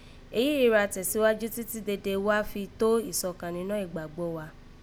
Èyíyìí ra tẹ̀síwájú títí dede wá ra fi tó ìsọ̀kan ninọ́ ìgbàgbọ́ wa